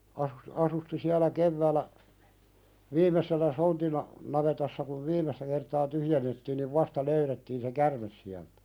- asusti siellä keväällä viimeisellä sontina navetassa kun viimeistä kertaa tyhjennettiin niin vasta löydettiin se käärme sieltä